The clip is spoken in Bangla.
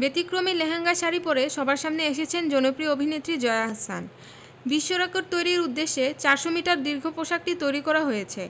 ব্যতিক্রমী লেহেঙ্গা শাড়ি পরে সবার সামনে এসেছেন জনপ্রিয় অভিনেত্রী জয়া আহসান বিশ্বরেকর্ড তৈরির উদ্দেশ্যে ৪০০ মিটার দীর্ঘ পোশাকটি তৈরি করা হয়েছে